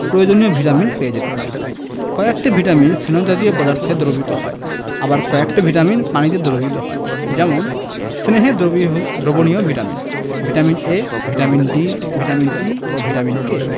প্রয়োজনীয় ভিটামিন পেয়ে যেতে পারি কয়েকটি ভিটামিন স্নেহ জাতীয় পদার্থে দ্রবীভূত হয় আবার কয়েকটি ভিটামিন পানিতে দ্রবীভূত হয় যেমন স্নেহে দ্রবণীয় vitamin vitamin A vitamin D vitamin E ও ভিটামিন K